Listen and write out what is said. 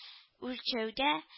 Үлчәүдә